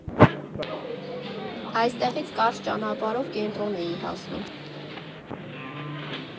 Այստեղից կարճ ճանապարհով կենտրոն էի հասնում։